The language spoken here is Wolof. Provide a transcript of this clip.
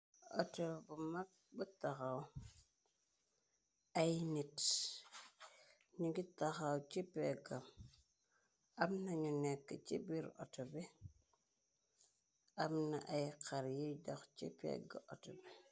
auto bu mag bu taxaw ay nit ni ngi taxaw ci péggam am nanu nekk ci biiru auto bi am na ay xar yiy dox ci pegg auto bi.